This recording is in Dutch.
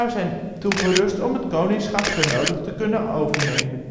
zijn toegerust om het koningschap zo nodig te kunnen overnemen